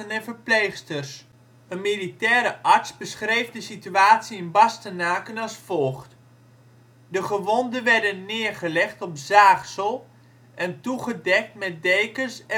en verpleegsters. Een militair arts beschreef de situatie in Bastenaken als volgt: " De gewonden werden neergelegd op zaagsel en toegedekt met dekens